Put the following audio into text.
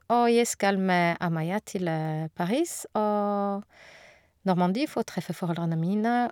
Og jeg skal med Amaya til Paris og Normandie for å treffe foreldrene mine.